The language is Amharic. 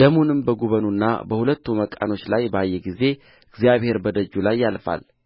ደሙንም በጉበኑና በሁለቱ መቃኖች ላይ ባየ ጊዜ እግዚአብሔር በደጁ ላይ ያልፋል